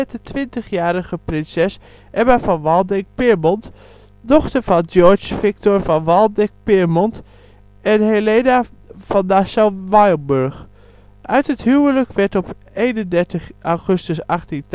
de twintigjarige prinses Emma van Waldeck-Pyrmont, dochter van George Victor van Waldeck-Pyrmont en Helena van Nassau-Weilburg. Uit het huwelijk werd op 31 augustus 1880 een kind